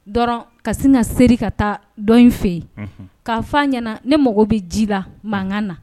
Dɔrɔn ka sin na se ka taa dɔ fɛ yen k'a fɔ ɲɛna ne mago bɛ ji la mankan na